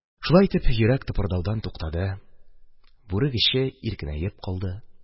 Шулай итеп, йөрәк тыпырдаудан туктады, бүрек эче иркенәеп калды.